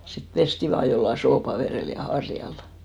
sitten pestiin vain jollakin suopavedellä ja harjalla